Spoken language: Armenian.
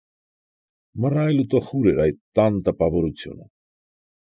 Մռայլ ու տխուր էր այդ տան տպավորությունը։